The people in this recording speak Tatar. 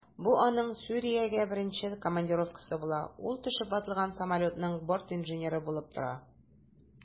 Бу аның Сүриягә беренче командировкасы була, ул төшеп ватылган самолетның бортинженеры булып тора.